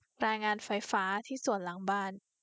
รายงานไฟฟ้าที่สวนหลังบ้าน